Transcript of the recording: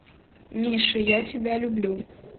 миша я тебя люблю